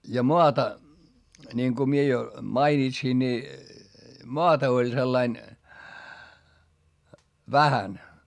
ja maata niin kun minä jo mainitsin niin maata oli sillä lailla vähän